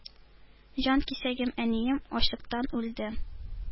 Җанкисәгем — әнием — ачлыктан үлде.